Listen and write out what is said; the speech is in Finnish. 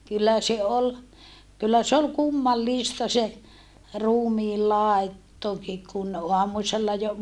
kyllä se oli kyllä se oli kummallista se ruumiin laittokin kun aamusella jo